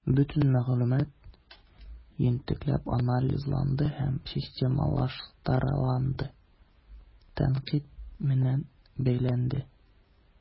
Бөтен мәгълүмат җентекләп анализланды һәм системалаштырылды, тәнкыйть белән бәяләнде.